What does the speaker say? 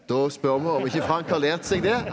da spør vi om ikke Frank har lært seg det.